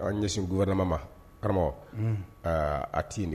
Aa ɲɛsinku wɛrɛmama karamɔgɔ a tiin